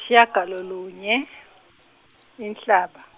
sishiyagalolunye Inhlaba.